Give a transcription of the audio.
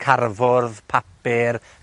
carfwrdd, papur